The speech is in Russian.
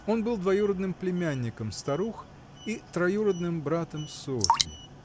Он был двоюродным племянником старух и троюродным братом Софьи.